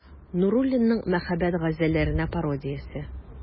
Нуруллинның «Мәхәббәт газәлләренә пародия»се.